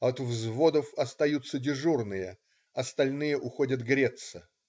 От взводов остаются дежурные - остальные уходят греться.